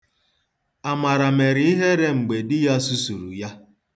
Amara mere ihere mgbe di ya susuru ya.